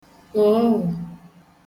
ụ̀ụhụ̀